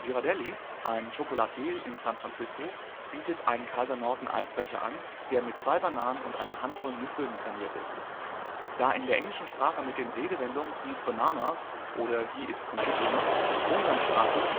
Ghirardelli, ein Chocolatier in San Francisco, bietet einen Kaiser-Norton-Eisbecher an, der mit zwei Bananen und einer Handvoll Nüssen garniert ist. Da in der englischen Sprache mit den Redewendungen he is bananas und he is completely nuts umgangssprachlich